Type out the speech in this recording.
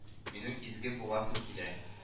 Минем изге буласым килә